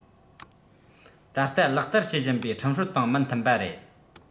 ད ལྟ ལག བསྟར བྱེད བཞིན པའི ཁྲིམས སྲོལ དང མི མཐུན པ རེད